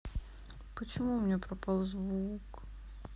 почему у меня пропал звук